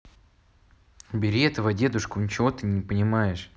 убери этого дедушку ничего ты не понимаешь